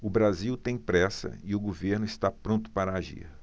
o brasil tem pressa e o governo está pronto para agir